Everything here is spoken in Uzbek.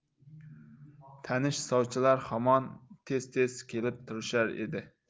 tanish sovchilar hamon tez tez kelib turishar edi